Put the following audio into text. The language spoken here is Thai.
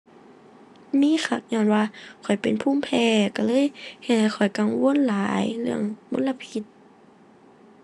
มีคัก ญ้อนว่าข้อยเป็นภูมิแพ้ก็เลยเฮ็ดให้ข้อยกังวลหลาย เรื่องมลพิษ